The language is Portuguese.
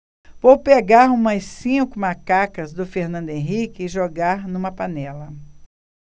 vou pegar umas cinco macacas do fernando henrique e jogar numa panela